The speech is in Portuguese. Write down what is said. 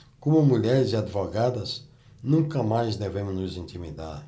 como mulheres e advogadas nunca mais devemos nos intimidar